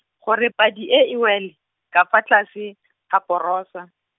goreng padi e e wela, ka fa tlase , ga porosa.